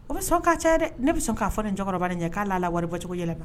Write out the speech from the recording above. O bɛ sɔn ka caya dɛ ne bɛ sɔn k'a fɔ nin cɛkɔrɔba in ye k'a l'a la waribɔcogo yɛlɛma